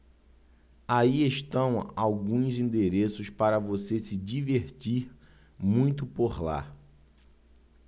aí estão alguns endereços para você se divertir muito por lá